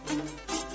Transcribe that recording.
San